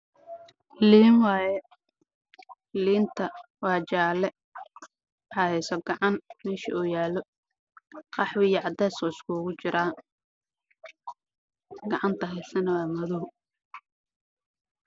Liin waaye waa jaale